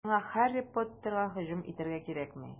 Сиңа Һарри Поттерга һөҗүм итәргә кирәкми.